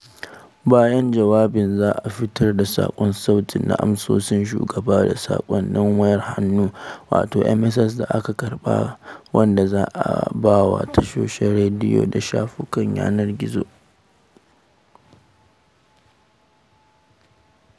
Bayan jawabin, za a fitar da saƙon sauti na amsoshin Shugaban ga sakonnin wayar hannu, wato SMS, da aka karɓa, wanda za a ba wa tashoshin rediyo da shafukan yanar gizo.